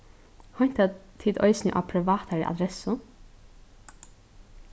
heinta tit eisini á privatari adressu